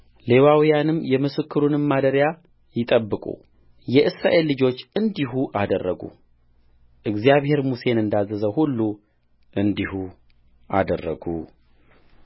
ሌዋውያንም የምስክሩን ማደሪያ ይጠብቁየእስራኤል ልጆች እንዲሁ አደረጉ እግዚአብሔር ሙሴን እንዳዘዘው ሁሉ እንዲሁ አደረጉ